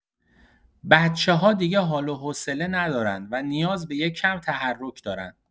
بچه‌ها دیگه حال و حوصله ندارن و نیاز به یه کم‌تحرک دارن.